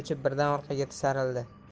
o'chib birdan orqaga tisarildi